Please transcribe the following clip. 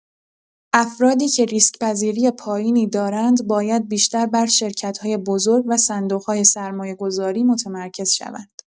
افرادی که ریسک‌پذیری پایینی دارند باید بیشتر بر شرکت‌های بزرگ و صندوق‌های سرمایه‌گذاری متمرکز شوند.